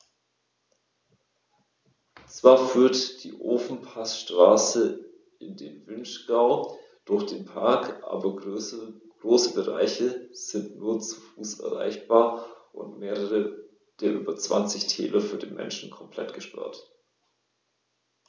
Zwar führt die Ofenpassstraße in den Vinschgau durch den Park, aber große Bereiche sind nur zu Fuß erreichbar und mehrere der über 20 Täler für den Menschen komplett gesperrt.